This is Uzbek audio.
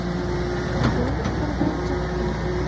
bugun sirg'anchiq kun